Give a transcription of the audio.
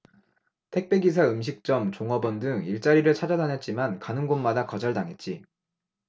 택배 기사 음식점 종업원 등 일자리를 찾아다녔지만 가는 곳마다 거절당했지